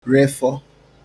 refọ